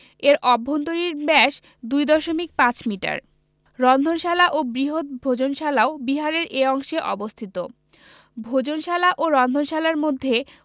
এর অভ্যন্তরীণ ব্যাস ২ দশমিক ৫ মিটার রন্ধনশালা ও বৃহৎ ভোজনশালাও বিহারের এ অংশে অবস্থিত ভোজনশালা ও রন্ধনশালার মধ্যে